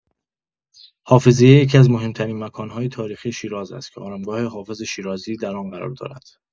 حافظیه یکی‌از مهم‌ترین مکان‌های تاریخی شیراز است که آرامگاه حافظ شیرازی در آن قرار دارد.